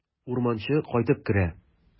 Урманчы кайтып керә.